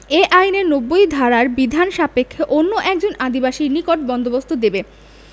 এ আইনের ৯০ ধারারবিধান সাপেক্ষে অন্য একজন আদিবাসীর নিকট বন্দোবস্ত দেবে